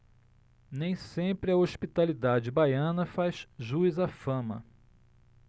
nem sempre a hospitalidade baiana faz jus à fama